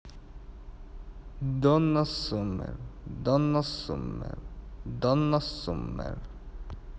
donna summer donna summer donna summer